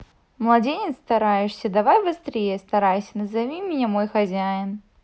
маладец стараешься давай быстрей старайся назови меня мой хозяин